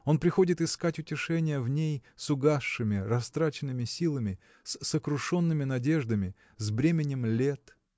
он приходит искать утешения в ней с угасшими растраченными силами с сокрушенными надеждами с бременем лет.